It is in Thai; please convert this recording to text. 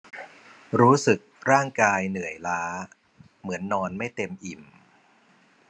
รู้สึกร่างกายเหนื่อยล้าเหมือนนอนไม่เต็มอิ่ม